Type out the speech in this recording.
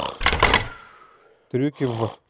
трюки в